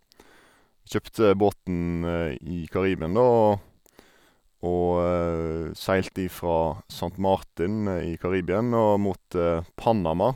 Kjøpte båten i Karibien, da, og og seilte ifra Sankt Martin i Karibien og mot Panama.